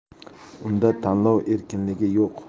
unda tanlov erkinligi yo'q